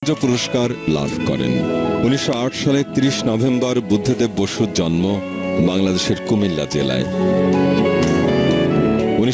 পুরস্কার লাভ করেন 1908 সালে 30 নভেম্বর বুদ্ধদেব বসুর জন্ম বাংলাদেশের কুমিল্লা জেলায়